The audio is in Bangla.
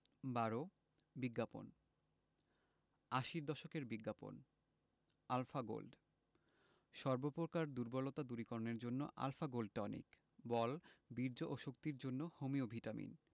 ১২ বিজ্ঞাপন আশির দশকের বিজ্ঞাপন আলফা গোল্ড সর্ব প্রকার দুর্বলতা দূরীকরণের জন্য আল্ ফা গোল্ড টনিক –বল বীর্য ও শক্তির জন্য হোমিও ভিটামিন